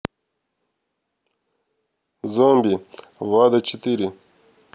zombie влада четыре